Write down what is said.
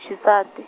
xisati.